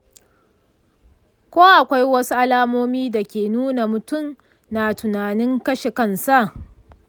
ko akwai wasu alamomi da ke nuna mutum na tunanin kashe kansa?